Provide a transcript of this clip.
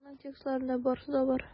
Аның текстларында барысы да бар.